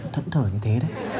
thẫn thờ như thế đấy